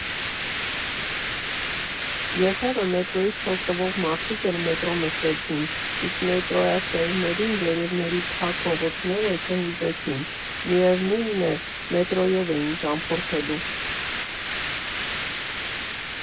Երբևէ մետրոյից չօգտվող մարդիկ էլ մետրո նստեցին, իսկ մետրոյասերներին վերևների փակ փողոցները չհուզեցին, միևնույն է, մետրոյով էին ճամփորդելու։